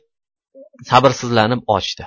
sabrsizlanib ochdi